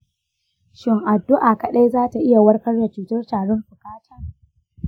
shin addu’a kaɗai za ta iya warkar da cutar tarin fuka ta?